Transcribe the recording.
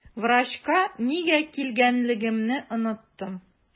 Врачка нигә килгәнлегемне оныттым.